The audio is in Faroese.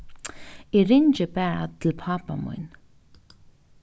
eg ringi bara til pápa mín